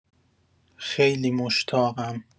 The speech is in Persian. خیلی مشتاقم